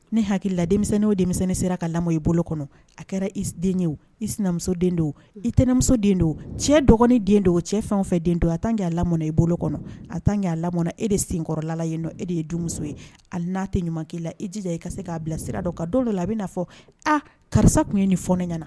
Ne hakilila denmisɛnnin o denmisɛnninnin sera ka lamɔ i bolo kɔnɔ a kɛra iden i sinamuso den itmuso den don cɛ dɔgɔn den don o cɛ fɛn fɛ den don a tan n k'a lam i bolo kɔnɔ a tan n k' aa lamɔn e de senkɔrɔlalayi e de ye denmuso ye a n'a tɛ ɲuman' la i jija i ka se k'a bila sira don ka dɔ la a bɛ fɔ a karisa tun ye nin fɔ ɲɛna